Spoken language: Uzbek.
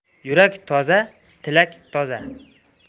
yurak toza tilak toza